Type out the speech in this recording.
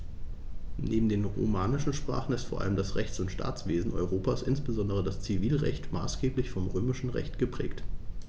Neben den romanischen Sprachen ist vor allem das Rechts- und Staatswesen Europas, insbesondere das Zivilrecht, maßgeblich vom Römischen Recht geprägt.